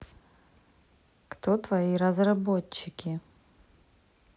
кто твои разработчики